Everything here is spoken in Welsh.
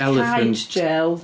Caets jêl